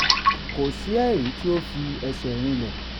Kò sí ẹ̀rí tí ó fi ẹsẹ̀ rinlẹ̀.